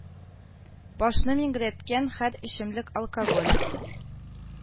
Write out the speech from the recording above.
Башны миңгерәткән һәр эчемлек алкоголь